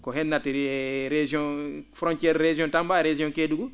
ko heen naattiri e région frontiére région Tamba e region Kédougou